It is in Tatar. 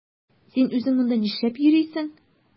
Син үзең монда нишләп йөрисең?